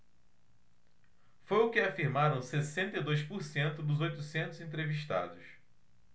foi o que afirmaram sessenta e dois por cento dos oitocentos entrevistados